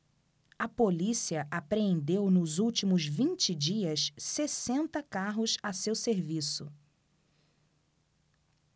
a polícia apreendeu nos últimos vinte dias sessenta carros a seu serviço